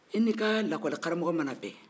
i n'i ka lakɔli karamɔgɔ mana bɛn